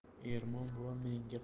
ermon buva menga